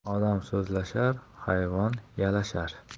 odam so'zlashar hayvon yalashar